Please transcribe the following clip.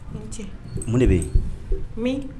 Ni cɛ mun de bɛ yen min